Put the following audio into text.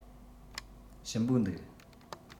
ཞིམ པོ འདུག